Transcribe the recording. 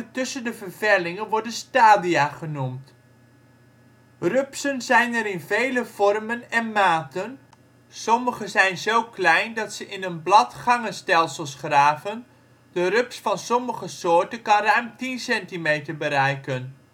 tussen de vervellingen worden stadia genoemd. Rupsen zijn er in vele vormen en maten, sommige zijn zo klein dat ze in een blad gangenstelsels graven, de rups van sommige soorten kan ruim 10 cm bereiken